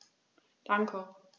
Danke.